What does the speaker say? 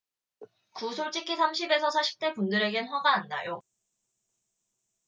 구 솔직히 삼십 에서 사십 대 분들에겐 화가 안 나요